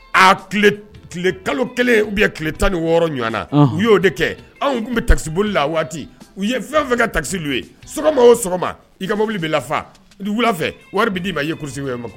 Aa kalo kelen u ye tile tan ni wɔɔrɔ ɲɔgɔn na u y'o de kɛ anw tun bɛ takisioli la waati u ye fɛn fɛn ka takisilu ye sɔgɔma o sɔgɔma i ka mobili bɛ lafifa wula fɛ wari' d' ma ye kulu ma koyi